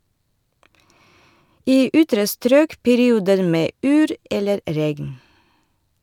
I ytre strøk perioder med yr eller regn.